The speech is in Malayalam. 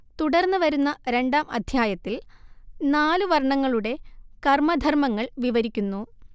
തുടർന്ന് വരുന്ന രണ്ടാം അധ്യായത്തിൽ നാലുവർണങ്ങളുടെ കർമധർമങ്ങൾ വിവരിക്കുന്നു